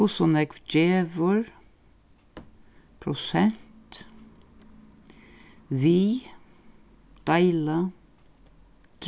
hvussu nógv gevur prosent við deila